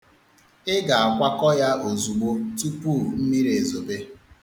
Ị ga-akwakọ ya ozugbo tupu mmiri ezobe.